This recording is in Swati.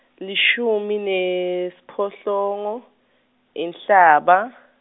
lishumi nesiphohlongo, Inhlaba.